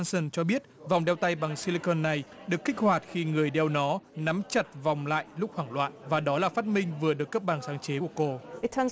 sơn cho biết vòng đeo tay bằng si li cơn này được kích hoạt khi người đeo nó nắm chặt vòng lại lúc hoảng loạn và đó là phát minh vừa được cấp bằng sáng chế của cổ